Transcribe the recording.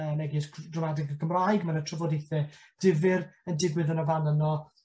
Mewn egys gr- gramadeg y Gymraeg ma' 'na trafodaethe difyr yn digwydd yn y fan yno.